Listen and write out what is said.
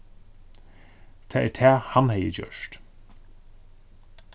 tað er tað hann hevði gjørt